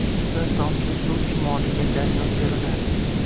bir tomchi suv chumoliga daryo ko'rinar